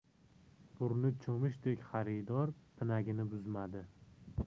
burni cho'michdek xaridor pinagini buzmadi